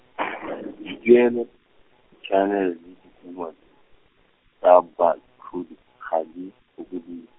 dituelo, ditshiamelo le dikuno tsa baatlhodi ga di fokodiwe.